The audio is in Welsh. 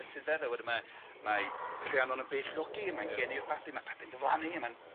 ...etifedd, a wedyn ma' mae Rhiannon yn beichiogi a mae'n geni'r babi, ma' babi'n diflannu, a ma'n... Ia.